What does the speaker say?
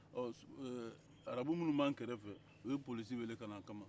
arabu minnu b'an kɛrɛfɛ olu ye polisi wele kana an kama